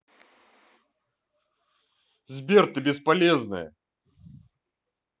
сбер ты бесполезная